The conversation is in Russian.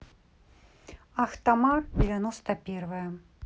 ахтамар девяносто первая